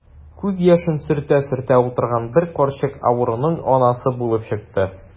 Күз яшен сөртә-сөртә утырган бер карчык авыруның анасы булып чыкты.